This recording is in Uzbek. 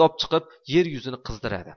oftob chiqib yer yuzini qizdiradi